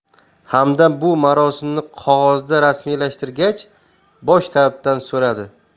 hamdam bu marosimni qog'ozda rasmiylashtirgach bosh tabibdan so'radi